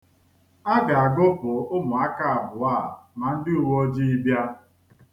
A ga-agụpụ ụmụaka abụọ a ma ndị uweojii bịa.